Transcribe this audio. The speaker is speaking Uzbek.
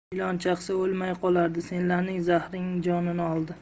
ilon chaqsa o'lmay qolardi senlarning zahring jonini oldi